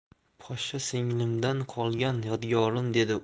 poshsha singlimdan qolgan yodgorim